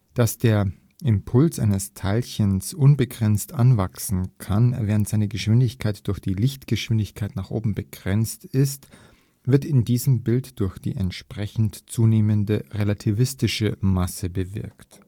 Dass der Impuls eines Teilchens unbegrenzt anwachsen kann, während seine Geschwindigkeit durch die Lichtgeschwindigkeit nach oben begrenzt ist, wird in diesem Bild durch die entsprechend zunehmende relativistische Masse bewirkt